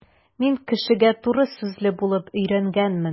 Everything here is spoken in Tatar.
Мин кешегә туры сүзле булып өйрәнгәнмен.